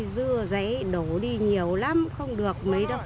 dừa dáy đổ đi nhiều lắm không được mấy đâu